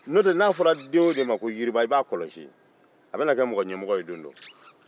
n'o tɛ n'a fɔra den o den ma ko yiriba i b'a kɔlɔsi a bɛna kɛ mɔgɔjɛmɔgɔ ye don dɔ